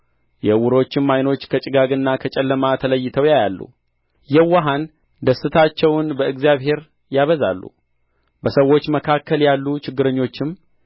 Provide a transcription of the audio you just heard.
የዕውሮችም ዓይኖች ከጭጋግና ከጨለማ ተለይተው ያያሉ የዋሃን ደስታቸውን በእግዚአብሔር ያበዛሉ በሰዎች መካከል ያሉ ችግረኞችም